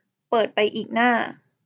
เปิดไปอีกหน้า